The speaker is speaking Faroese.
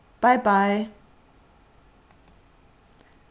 bei bei